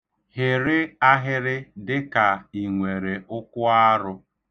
Hịrị ahịrị dịka i nwere ụkwụarụ.